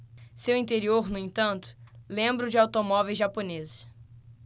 seu interior no entanto lembra o de automóveis japoneses